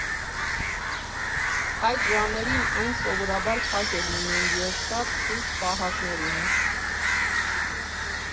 Այդ ժամերին այն սովորաբար փակ է լինում և շատ խիստ պահակներ ունի։